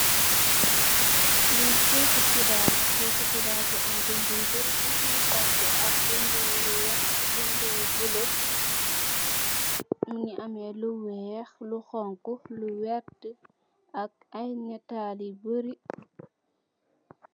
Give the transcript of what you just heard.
Lee keyete kebarr la keyete kebarr yu am bede yu bory bede yu xonxo ak bede yu weex ak bede yu bulo muge ameh lu weex lu xonxo lu werte ak aye natal ye bory.